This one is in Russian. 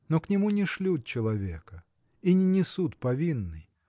Но к нему не шлют человека и не несут повинной